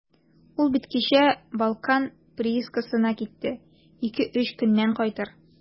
Ул бит кичә «Балкан» приискасына китте, ике-өч көннән кайтыр.